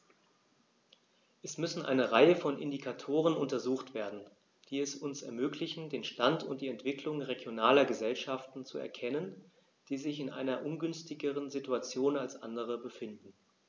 Es müssen eine Reihe von Indikatoren untersucht werden, die es uns ermöglichen, den Stand und die Entwicklung regionaler Gesellschaften zu erkennen, die sich in einer ungünstigeren Situation als andere befinden.